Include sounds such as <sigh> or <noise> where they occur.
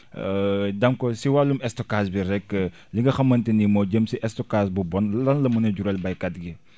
<hesitation> donc si wàllum stockage bi rek <hesitation> li nga xamante ni moo jëm si stockage bu bon lan la mën a jural baykat gi